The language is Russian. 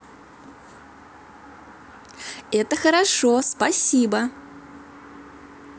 это хорошо спасибо